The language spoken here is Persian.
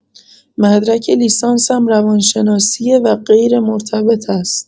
مدرک لیسانسم روانشناسیه و غیرمرتبط هست